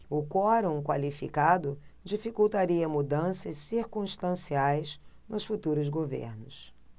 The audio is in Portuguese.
o quorum qualificado dificultaria mudanças circunstanciais nos futuros governos